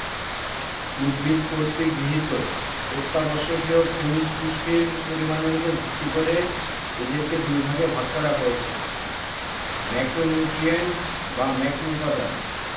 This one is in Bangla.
উদ্ভিদ কর্তৃক গৃহীত অত্যাবশ্যকীয় খনিজ পুষ্টির পরিমাণের উপর ভিত্তি করে এদেরকে দুইভাগে ভাগ করা হয়েছে ম্যাক্রোনিউট্রিয়েন্ট বা ম্যাক্রোউপাদান